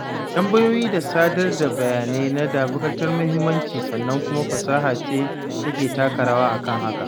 Tambayoyi da sadar da bayanai na da matuƙar muhimmanci, sannan kuma fasaha ce take taka rawa a kan hakan.